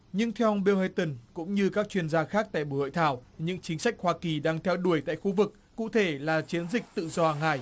nhưng theo ông bê ô ây từn cũng như các chuyên gia khác tại buổi hội thảo những chính sách hoa kỳ đang theo đuổi tại khu vực cụ thể là chiến dịch tự do hàng hải